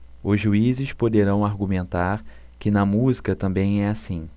os juízes poderão argumentar que na música também é assim